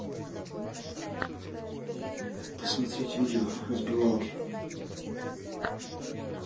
посмотреть видео разбивалки